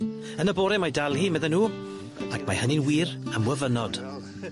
Yn y bore mae dal hi, medden nhw, ac mae hynny'n wir am wyfynod.